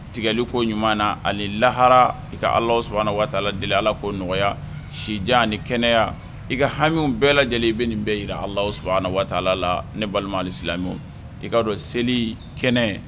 Tigɛli ko ɲuman na ani lahara i ka ala s waa deli ala ko nɔgɔya sijan ni kɛnɛyaya i ka hamimu bɛɛ lajɛlen i bɛ nin bɛɛ jira ala s la ne balima alisi i kaa dɔn seli kɛnɛ